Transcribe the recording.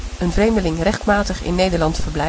vreemdeling rechtmatig in Nederland